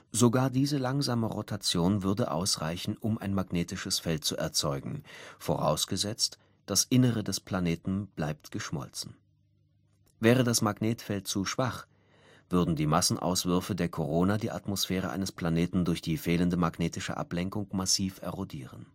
Sogar diese langsame Rotation würde ausreichen, um ein magnetisches Feld zu erzeugen, vorausgesetzt, das Innere des Planeten bleibt geschmolzen. Wäre das Magnetfeld zu schwach, würden die Massenauswürfe der Korona die Atmosphäre eines Planeten durch die fehlende magnetische Ablenkung massiv erodieren